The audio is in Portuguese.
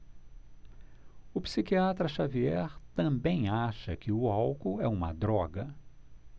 o psiquiatra dartiu xavier também acha que o álcool é uma droga